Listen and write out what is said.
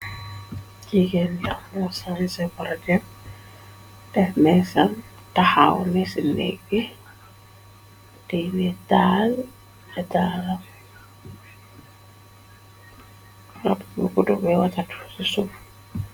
Jiken damo saeporotep bef mesam taxaw nesi leggi teyne tal etaraabwaat sum.